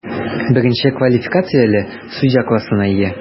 Беренче квалификацияле судья классына ия.